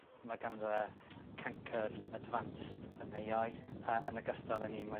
...mae ganddo fe cancer advanced yn ei iau. Yy yn ogystal â ni mae